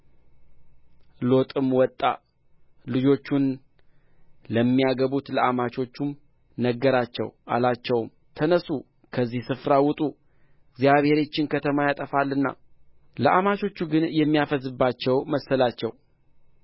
ሎጥም ወጣ ልጆቹን ለሚያገቡት ለአማቾቹም ነገራቸው አላቸውም ተነሡ ከዚህ ስፍራ ውጡ እግዚአብሔር ይህችን ከተማ ያጠፋልና ለአማቾቹ ግን የሚያፌዝባቸው መሰላቸው